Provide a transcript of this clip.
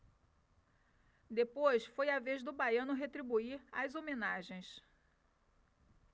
depois foi a vez do baiano retribuir as homenagens